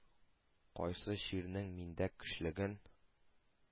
Кайсы чирнең миндә көчлелеген